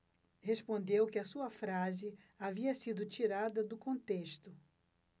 respondeu que a sua frase havia sido tirada do contexto